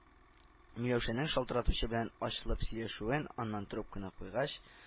Миләүшәнең шалтыратучы белән ачылып сөйләшүен, аннан, трубканы куйгач